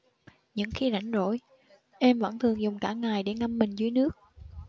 những khi rảnh rỗi em vẫn thường dùng cả ngày để ngâm mình dưới nước